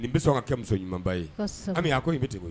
Ni bɛ sɔn ka kɛ ɲumanba ye a ko i bɛ cogo ye